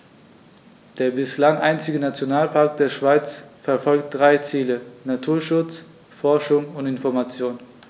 Der bislang einzige Nationalpark der Schweiz verfolgt drei Ziele: Naturschutz, Forschung und Information.